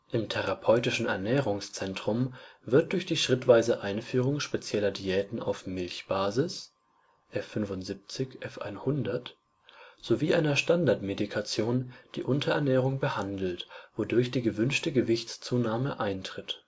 Im therapeutischen Ernährungszentrum wird durch die schrittweise Einführung spezieller Diäten auf Milchbasis (F75, F100) sowie einer Standardmedikation die Unterernährung behandelt, wodurch die gewünschte Gewichtszunahme eintritt